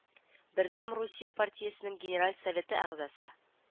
Бердәм русия партиясенең генераль советы әгъзасы